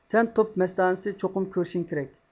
سەن توپ مەستانىسى چوقۇم كۆرۈشۈڭ كېرەك